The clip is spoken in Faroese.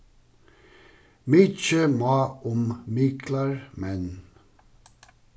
mikið má um miklar menn